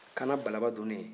kaana balaba donnen